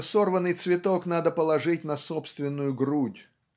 что сорванный цветок надо положить на собственную грудь